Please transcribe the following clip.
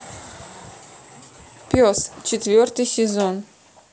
пес четвертый сезон